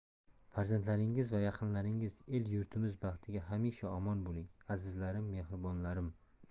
farzandlaringiz va yaqinlaringiz elu yurtimiz baxtiga hamisha omon bo'ling azizlarim mehribonlarim